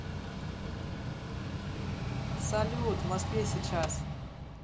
салют в москве сейчас